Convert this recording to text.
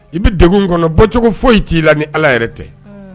I bɛ dɛg kɔnɔ bɔcogo foyi i t'i la ni ala yɛrɛ tɛ